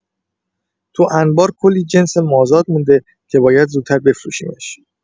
تو انبار کلی جنس مازاد مونده که باید زودتر بفروشیمش.